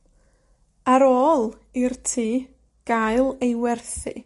Ar ôl i'r tŷ gael ei werthu,